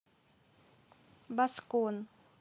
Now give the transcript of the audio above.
baskon